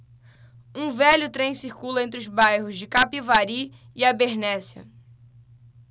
um velho trem circula entre os bairros de capivari e abernéssia